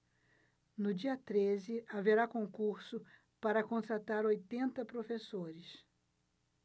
no dia treze haverá concurso para contratar oitenta professores